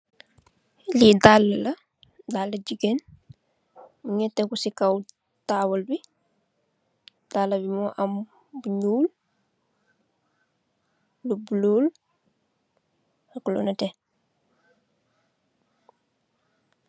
Lii dalalaa, dalaa jigen. Mungii teguu sii kaww tabalbii, dalaa bangii amm lu nyoul, lu blue ak lu neteh.